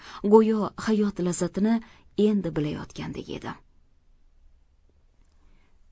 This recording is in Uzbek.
go'yo hayot lazzatini endi bilayotgandek edim